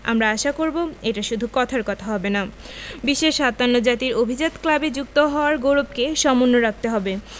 আমরা আশা করব এটা শুধু কথার কথা হবে না বিশ্বের ৫৭ জাতির অভিজাত ক্লাবে যুক্ত হওয়ার গৌরবকে সমুন্নত রাখতে হবে